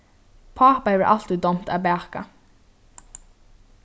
pápa hevur altíð dámt at baka